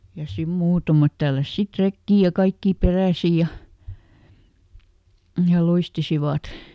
ja siinä muutamat tälläsi sitten rekeen ja kaikki peräisin ja ja luistivat